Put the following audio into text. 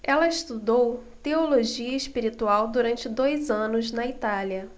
ela estudou teologia espiritual durante dois anos na itália